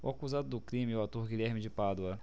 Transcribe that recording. o acusado do crime é o ator guilherme de pádua